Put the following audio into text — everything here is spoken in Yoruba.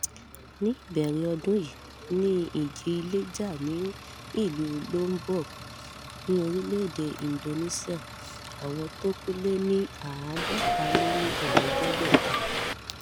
Ní ìbẹ̀rẹ̀ ọdún yìí ni ijì-ilẹ̀ jà ní ìlú Lombok ní orílẹ̀-èdè Indonesia. Àwọn t’ọ́n kú lé ni 550.